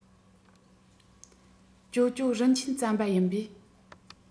ཇོ ཇོ རིན ཆེན རྩམ པ ཡིན པས